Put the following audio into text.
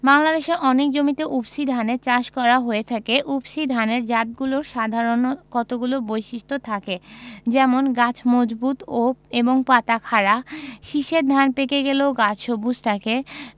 বাংলাদেশের অনেক জমিতে উফশী ধানের চাষ করা হয়ে থাকে উফশী ধানের জাতগুলোর সাধারণ কতগুলো বৈশিষ্ট্য থাকে যেমনঃ গাছ মজবুত এবং পাতা খাড়া শীষের ধান পেকে গেলেও গাছ সবুজ থাকে